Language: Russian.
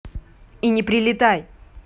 и не прилетай